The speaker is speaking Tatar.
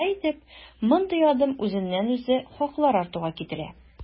Шулай итеп, мондый адым үзеннән-үзе хаклар артуга китерә.